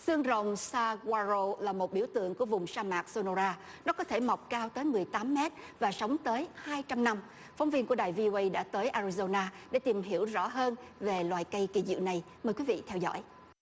xương rồng sa qua râu là một biểu tượng của vùng sa mạc sô nô ra rất có thể mọc cao tới mười tám mét và sống tới hai trăm năm phóng viên của đài vov đã tới a ri dô na để tìm hiểu rõ hơn về loài cây kỳ diệu này mời quý vị theo dõi